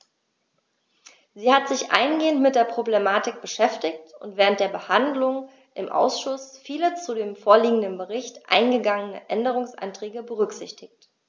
Sie hat sich eingehend mit der Problematik beschäftigt und während der Behandlung im Ausschuss viele zu dem vorliegenden Bericht eingegangene Änderungsanträge berücksichtigt.